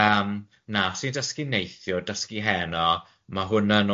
Yym na, os o'n i'n dysgu neithiwr, dysgu heno, ma' hwnna